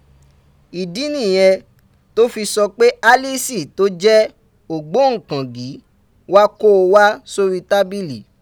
Ìdí nìyẹn tó fi sọ pé Allison, tó jẹ́ ògbóǹkàngí, wá kó o wá sórí tábìlì.